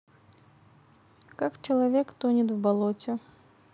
как человек тонет в болоте